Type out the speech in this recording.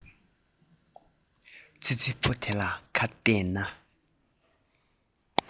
ཙི ཙི ཕོ དེ ལ ཁ གཏད ནས